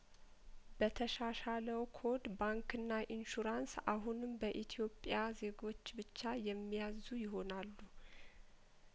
በተሻሻለው ኮድ ባንክና ኢንሹራንስ አሁንም በኢትዮጵያ ዜጐች ብቻ የሚያዙ ይሆናሉ